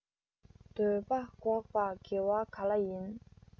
འདོད པ འགོག པ དགེ བ ག ལ ཡིན